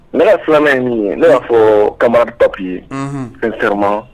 Ne ka filanan ye nin ye ne y'a fɔ camarade Papi ye, unhun, sincèrement